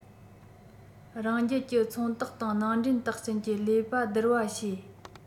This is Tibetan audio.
རང རྒྱལ གྱི ཚོང རྟགས དང ནང འདྲེན རྟགས ཅན གྱིས ལས པ བསྡུར པ བྱེད